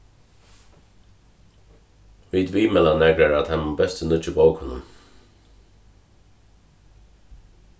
vit viðmæla nakrar av teimum bestu nýggju bókunum